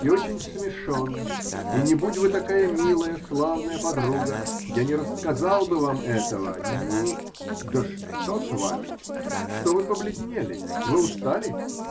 и очень смешон, и не будь вы такая милая, славная подруга, я не рассказал бы вам этого ни. Да что с вами? Что вы побледнели? Вы устали?